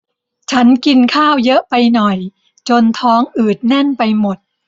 ฉันกินข้าวเยอะไปหน่อยจนท้องอืดแน่นไปหมด